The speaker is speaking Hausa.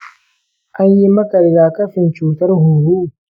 an yi maka rigakafin cutar huhu?